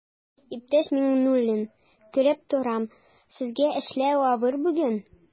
Иптәш Миңнуллин, күреп торам, сезгә эшләү авыр бүген.